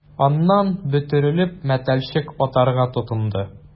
Аннан, бөтерелеп, мәтәлчек атарга тотынды...